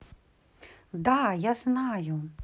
да я знаю